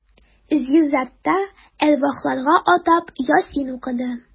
Зиратта әрвахларга атап Ясин укыды.